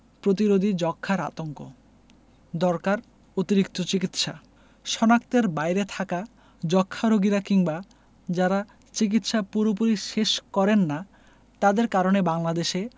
প্রতিরোধী যক্ষ্মার আতঙ্ক দরকার অতিরিক্ত চিকিৎসা শনাক্তের বাইরে থাকা যক্ষ্মা রোগীরা কিংবা যারা চিকিৎসা পুরোপুরি শেষ করেন না তাদের কারণে বাংলাদেশে